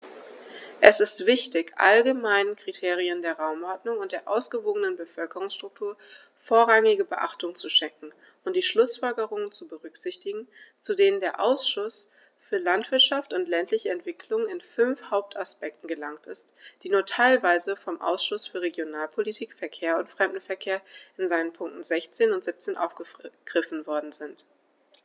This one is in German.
Es ist wichtig, allgemeinen Kriterien der Raumordnung und der ausgewogenen Bevölkerungsstruktur vorrangige Beachtung zu schenken und die Schlußfolgerungen zu berücksichtigen, zu denen der Ausschuss für Landwirtschaft und ländliche Entwicklung in fünf Hauptaspekten gelangt ist, die nur teilweise vom Ausschuss für Regionalpolitik, Verkehr und Fremdenverkehr in seinen Punkten 16 und 17 aufgegriffen worden sind.